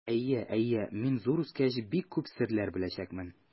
Әйе, әйе, мин, зур үскәч, бик күп серләр беләчәкмен.